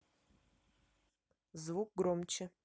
звук громче